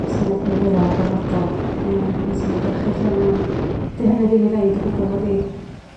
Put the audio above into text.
Gwasanaeth milwrol gorfodol. Ie mae'n syniad erchyll iawn iawn. 'Di hynny ddim i ddeud o gwbwl mod i